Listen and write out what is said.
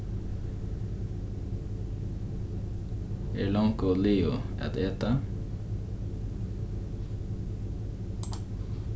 eg eri longu liðug at eta